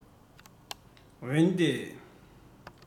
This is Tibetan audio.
འོན ཏེ